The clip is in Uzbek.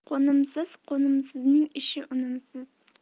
qo'nimsiz qo'nimsizning ishi unumsiz